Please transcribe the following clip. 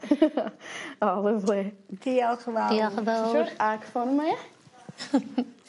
O . Diolch yn fawr. Diolch yn fowr. Ag ffor 'ma ia?